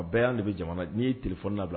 A bɛɛ de bɛ jamana n'i ye tile fɔlɔnabila